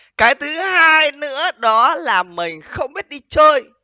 cái thứ hai nữa đó là mình không biết đi chơi